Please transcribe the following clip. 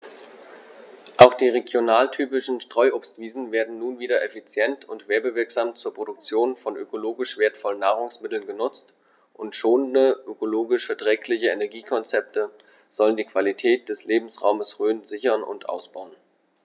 Auch die regionaltypischen Streuobstwiesen werden nun wieder effizient und werbewirksam zur Produktion von ökologisch wertvollen Nahrungsmitteln genutzt, und schonende, ökologisch verträgliche Energiekonzepte sollen die Qualität des Lebensraumes Rhön sichern und ausbauen.